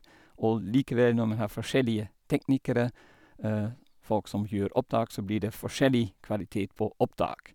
Og likevel når man har forskjellige teknikere, folk som gjør opptak, så blir det forskjellig kvalitet på opptak.